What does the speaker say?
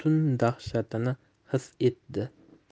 butun dahshatini his etdi